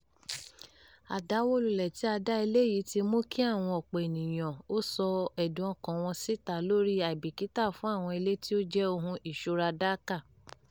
Àdàwólulẹ̀ tí a da ilé yìí ti mú kí àwọn ọ̀pọ̀ ènìyàn ó sọ ẹ̀dùn ọkàn-an wọn síta lórí àìbìkítà fún àwọn ilé tí ó jẹ́ ohun ìṣúra Dhaka.